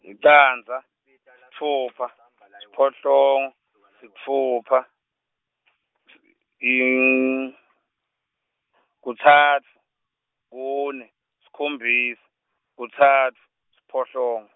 licandza , sitfupha, siphohlongo, sitfupha , kutsatfu, kune, sikhombisa, kutsatfu, siphohlongo.